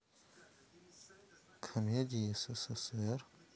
комедии ссср